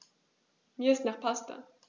Mir ist nach Pasta.